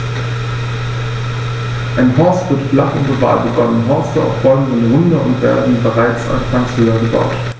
Ein Horst wird flach und oval begonnen, Horste auf Bäumen sind runder und werden bereits anfangs höher gebaut.